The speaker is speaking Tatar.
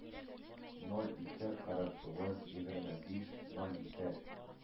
Ноль ике, кырык тугыз, егерме биш, ноль ике